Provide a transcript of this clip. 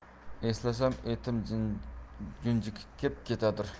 eslasam etim junjikib ketadir